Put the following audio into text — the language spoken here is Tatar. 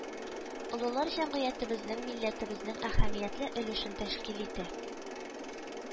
Олылар җәмгыятебезнең, милләтебезнең әһәмиятле өлешен тәшкил итә